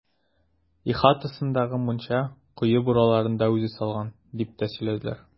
Ихатасындагы мунча, кое бураларын да үзе салган, дип тә сөйлиләр.